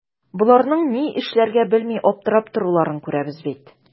Боларның ни эшләргә белми аптырап торуларын күрәбез бит.